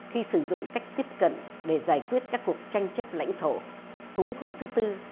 khi sử dụng cách tiếp cận để giải quyết các cuộc tranh chấp lãnh thổ cũng hôm thứ tư